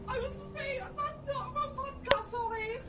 I was supposed to say, that's not... Wrong podcast sorry!